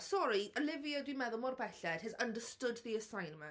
Sori, Olivia, dwi'n meddwl, mor belled, has understood the assignment.